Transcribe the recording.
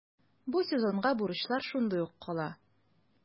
Бу сезонга бурычлар шундый ук кала.